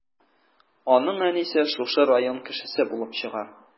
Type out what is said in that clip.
Аның әнисе шушы район кешесе булып чыга.